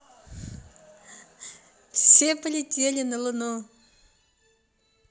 все полетели на луну